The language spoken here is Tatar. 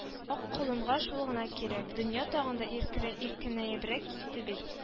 Ак колынга шул гына кирәк – дөнья тагын да иркерә иркенәебрәк китте бит